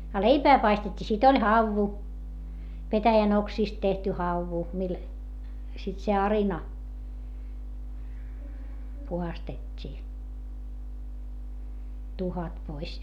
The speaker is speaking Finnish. a leipää paistettiin sitten oli havu petäjän oksista tehty havu millä sitten se arina puhdistettiin tuhkat pois